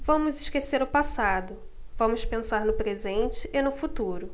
vamos esquecer o passado vamos pensar no presente e no futuro